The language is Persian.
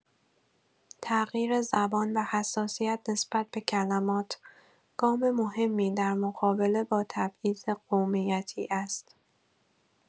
تغییر زبان و حساسیت نسبت به کلمات، گام مهمی در مقابله با تبعیض قومیتی است.